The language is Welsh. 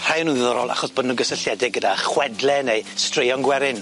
Rhai o nw'n ddiddorol achos bo' nw'n gysylltiedig gyda chwedle neu straeon gwerin.